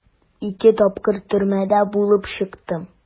Ике тапкыр төрмәдә булып чыктым.